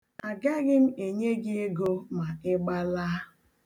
A gaghị m enye gị ego ma ịgbalaa.